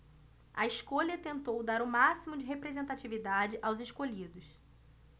a escolha tentou dar o máximo de representatividade aos escolhidos